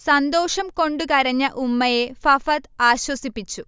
സന്തോഷം കൊണ്ട് കരഞ്ഞ ഉമ്മയെ ഫഫദ് ആശ്വസിപ്പിച്ചു